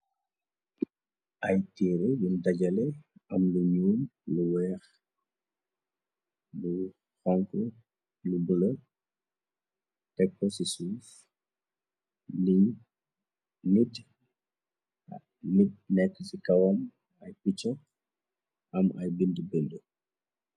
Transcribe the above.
Ay tiire yun dajale am lu ñuum lu weex bu xonk lu bula tekko ci suuf ninit nekk ci kawam ay picche am ay bind bind.